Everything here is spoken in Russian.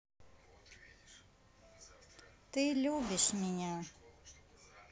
ты любишь меня